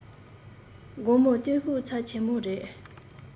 དགོང མོ བསྟན བཤུག ཚབས ཆེན མོ རེ